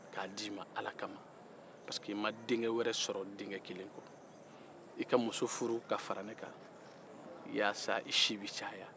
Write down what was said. k'a d'i ma ala kama parce que e ma denkɛ wɛrɛ denkɛkelen kɔ i ka muso furu ka fara n kan walasa e si bɛ caya